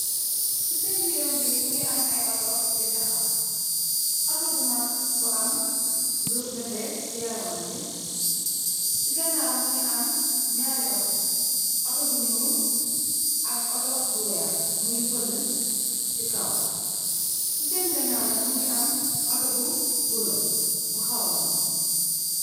ci pegg yoon bi mi ngi am ay auto yu texaw auto bu mag bu am lu nete ci yaramam bi ci gannaaw mi ngi am ñaari auto auto bu ñuul ak auto bu weex mi ngi pënd ci kaw ci seen gannaaw nag mi ngi am auto bu bulo bu xawa mag